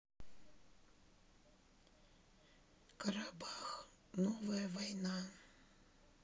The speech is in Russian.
карабах новая война